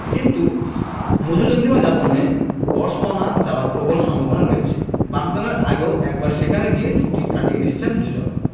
কিন্তু মধুচন্দ্রিমা যাপনে বটসওয়ানা যাওয়ার প্রবল সম্ভাবনা রয়েছে বাগদানের আগেও একবার সেখানে গিয়ে ছুটি কাটিয়ে এসেছেন দুজন